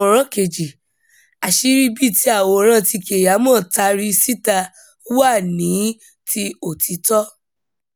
Àwòrán 2: Àṣírí bi tí àwòrán tí Keyamo tari síta wà ní ti òtítọ́.